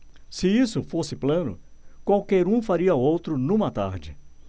se isso fosse plano qualquer um faria outro numa tarde